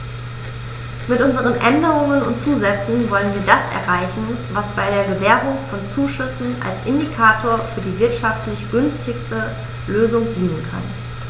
Mit unseren Änderungen und Zusätzen wollen wir das erreichen, was bei der Gewährung von Zuschüssen als Indikator für die wirtschaftlich günstigste Lösung dienen kann.